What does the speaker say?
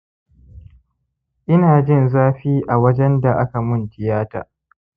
inajin zafi a wajenda aka mun tiyata